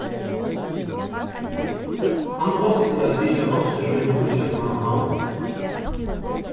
hann átti at vitjað mostir sína í keypmannahavn